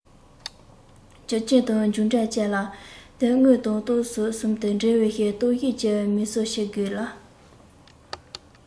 རྒྱུ རྐྱེན དང མཇུག འབྲས བཅས ལ དོན དངོས དང རྟོག བཟོ ཟུང དུ འབྲེལ བའི རྟོག ཞིབ ཀྱི མིག ཟུང ཕྱེ དགོས ལ